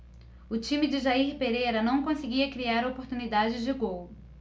o time de jair pereira não conseguia criar oportunidades de gol